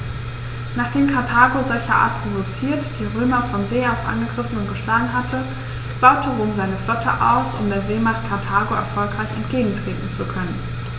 Nachdem Karthago, solcherart provoziert, die Römer von See aus angegriffen und geschlagen hatte, baute Rom seine Flotte aus, um der Seemacht Karthago erfolgreich entgegentreten zu können.